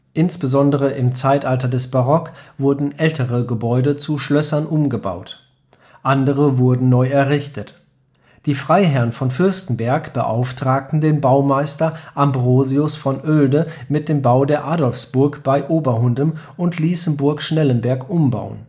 Insbesondere im Zeitalter des Barock wurden ältere Gebäude zu Schlössern umgebaut. Andere wurden neu errichtet. Die Freiherren von Fürstenberg beauftragten den Baumeister Ambrosius von Oelde mit dem Bau der Adolphsburg bei Oberhundem und ließen Burg Schnellenberg umbauen